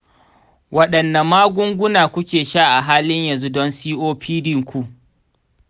wadanne magunguna kuke sha a halin yanzu don copd ku?